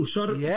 Wsio'r... Ie.